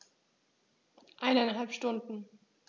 Eineinhalb Stunden